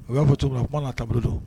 U y'a fɔ tuguni u k kuma na kab don